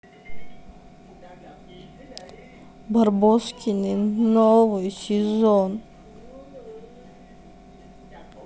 барбоскины новый сезон